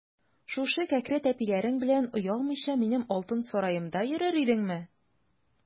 Шушы кәкре тәпиләрең белән оялмыйча минем алтын сараемда йөрер идеңме?